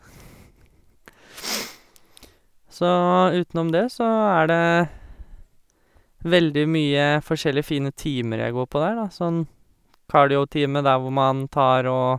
Så utenom det så er det veldig mye forskjellige fine timer jeg går på der, da, sånn cardio-time der hvor man tar og...